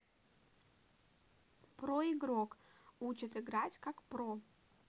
про игрок учит играть как про